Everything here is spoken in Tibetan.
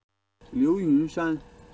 ལིའུ ཡུན ཧྲན